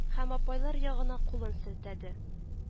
Һәм апайлар ягына кулын селтәде